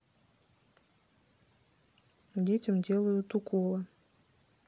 детям делают уколы